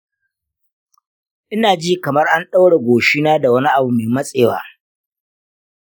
ina jin kamar an ɗaure goshina da wani abu mai matsewa